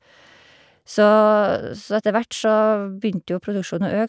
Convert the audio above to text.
så Så etter hvert så begynte jo produksjonen å øke.